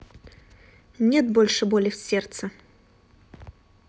если ты не сможешь мне ее открыть я не смогу его подписать значит ты не выполнил свои требования и нарушил закон